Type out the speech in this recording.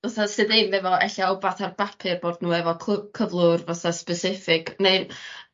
fatha sy ddim efo ella wbath ar bapur bod n'w efo clw- cyflwr fatha sbiciffig neu